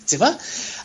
...t'bo?